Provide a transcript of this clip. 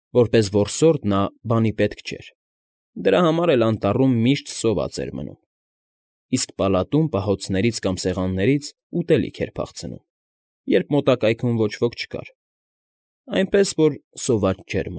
Որպես որսորդ նա բանի պետք չէր, դրա համար էլ անտառում միշտ սոված էր մնում, իսկ պալատում պահոցներից կամ սեղաններից ուտելիք էր փախցնում, երբ մոտակայքում ոչ ոք չկար, այնպես որ սոված չէր։